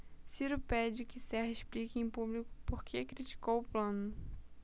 ciro pede que serra explique em público por que criticou plano